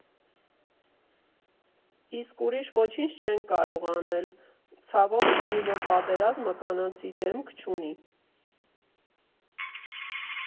Իսկ ուրիշ ոչինչ չեն կարող անել, ցավոք, քանի որ պատերազմը կանացի դեմք չունի։